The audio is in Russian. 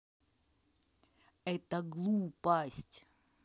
это глупость